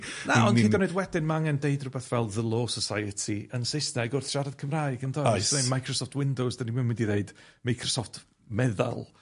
Na, ond hyd yn oed wedyn, ma' angen deud rwbeth fel the law society yn Saesneg wrth siarad Cymraeg, yndoes? Oes. Neu Microsoft Windows, 'dan ni'm yn mynd i ddeud Microsoft meddal.